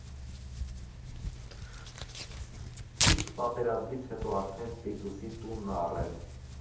Իսկ պատերազմից հետո արդեն Ֆիրդուսի տունն ա առել։